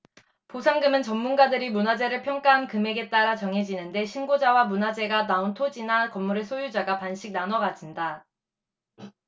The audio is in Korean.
보상금은 전문가들이 문화재를 평가한 금액에 따라 정해지는데 신고자와 문화재가 나온 토지나 건물의 소유자가 반씩 나눠 가진다